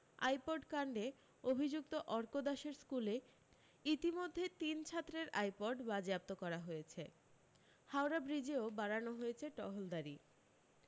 iPod কাণ্ডে অভি্যুক্ত অর্ক দাসের স্কুলে ইতিমধ্যে তিন ছাত্রের আইপড বাজেয়াপ্ত করা হয়েছে হাওড়া ব্রিজেও বাড়ানো হয়েছে টহলদারি